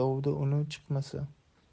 dovda uni chiqmasa